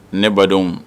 Ne badenw